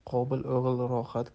qobil o'g'il rohat